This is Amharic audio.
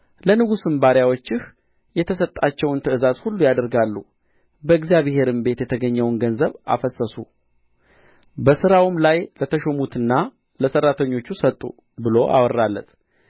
ለንጉሡም ባሪያዎችህ የተሰጣቸውን ትእዛዝ ሁሉ ያደርጋሉ በእግዚአብሔርም ቤት የተገኘውን ገንዘብ አፈሰሱ በሥራውም ላይ ለተሾሙትና ለሠራተኞቹ ሰጡ ብሎ አወራለት